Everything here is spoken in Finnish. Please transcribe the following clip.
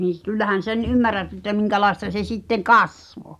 niin - kyllähän sen ymmärrät että minkälaista se sitten kasvoi